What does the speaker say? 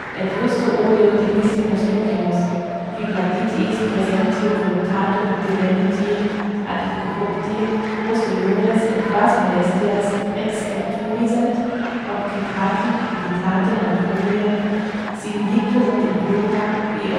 et iusto odio dignissimos ducimus, qui blanditiis praesentium voluptatum deleniti atque corrupti, quos dolores et quas molestias excepturi sint, obcaecati cupiditate non provident, similique sunt in culpa, qui